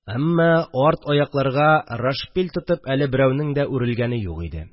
Әммә арт аякларга рашпиль тотып әле берәүнең дә үрелгәне юк иде